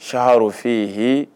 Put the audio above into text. Cahaharo fɛ yen h